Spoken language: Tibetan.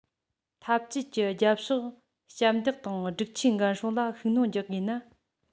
འཐབ ཇུས ཀྱི རྒྱབ ཕྱོགས ཞབས འདེགས དང སྒྲིག ཆས འགན སྲུང ལ ཤུགས སྣོན རྒྱག དགོས ན